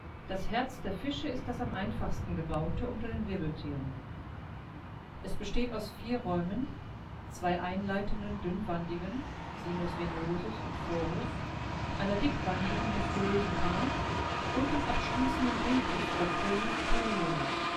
Das Herz der Fische ist das am einfachsten gebaute unter den Wirbeltieren. Es besteht aus vier Räumen, zwei einleitenden dünnwandigen, Sinus venosus und Vorhof, einer dickwandigen, muskulösen Kammer und dem abschließenden Bulbus oder Conus arteriosus